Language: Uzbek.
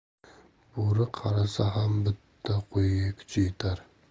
bo'ri qarisa ham bitta qo'yga kuchi yetar